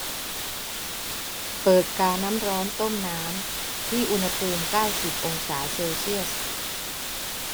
เปิดกาน้ำร้อนต้มน้ำที่อุณหภูมิเก้าสิบองศาเซลเซียส